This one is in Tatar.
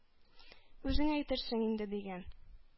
Үзең әйтерсең инде,— дигән.